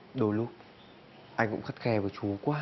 đôi lúc anh cũng khắt khe với chú quá